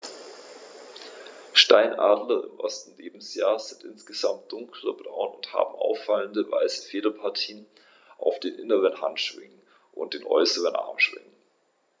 Steinadler im ersten Lebensjahr sind insgesamt dunkler braun und haben auffallende, weiße Federpartien auf den inneren Handschwingen und den äußeren Armschwingen.